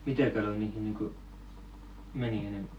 mitä kaloja niihin niin kuin meni -